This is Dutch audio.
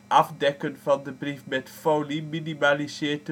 afdekken van de brief met folie minimaliseert